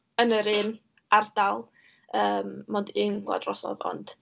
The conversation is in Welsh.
Yn yr un ardal, yym, mond un gwlad drosodd, ond...